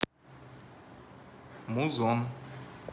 музон